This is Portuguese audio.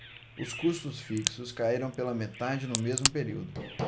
os custos fixos caíram pela metade no mesmo período